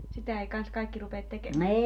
sitä ei kanssa kaikki rupea tekemään